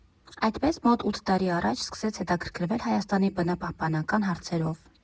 Այդպես, մոտ ութ տարի առաջ սկսեց հետաքրքրվել Հայաստանի բնապահպանական հարցերով։